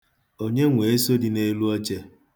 Onye nwe eso dị n'elu oche?